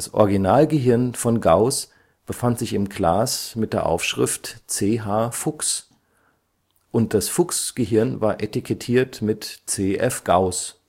Originalgehirn von Gauß befand sich im Glas mit der Aufschrift „ C. H. Fuchs “, und das Fuchs-Gehirn war etikettiert mit „ C. F. Gauss